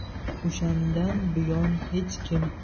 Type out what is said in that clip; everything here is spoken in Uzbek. o'shandan buyon hech kim